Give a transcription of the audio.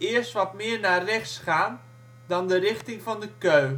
eerst wat meer naar rechts gaan dan de richting van de keu